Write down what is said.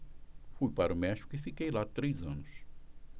fui para o méxico e fiquei lá três anos